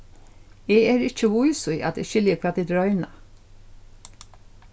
eg eri ikki vís í at eg skilji hvat tit royna